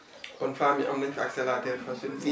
kon femmes yi am nañ fi accès à la terre facilement